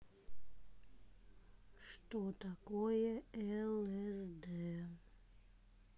что такое лсд